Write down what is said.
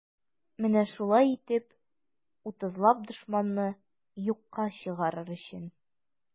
Менә шулай итеп, утызлап дошманны юкка чыгарыр өчен.